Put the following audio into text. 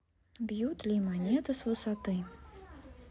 бьют ли монеты с высоты